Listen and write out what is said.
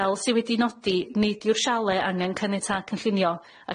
Fel sy wedi nodi nid yw'r sialê angen caniatad cynllunio ac